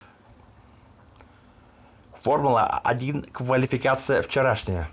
формула один квалификация вчерашняя